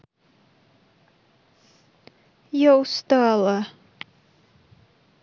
я устала